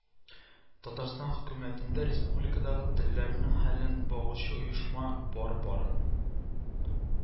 Татарстан хөкүмәтендә республикадагы телләрнең хәлен багучы оешма бар барын